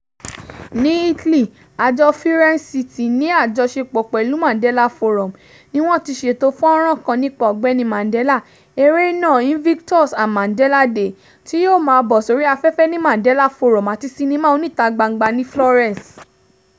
Ní Italy, Àjọ Firenze City, ní àjọṣepọ̀ pẹ̀lú Mandela Forum, ni wọ́n ti ṣètò fọ́nràn kan nípa Ọ̀gbẹ́ni Mandela, eré náà Invictus and Mandela Day, tí yóò máa bọ́ sórí afẹ́fẹ́ ní Mandela Forum àti sinimá oníta gbangba ní Florence.